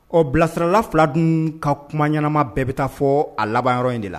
Ɔ bilasirarala fila dun ka kuma ɲɛnaanama bɛɛ bɛ taa fɔ a laban yɔrɔ in de la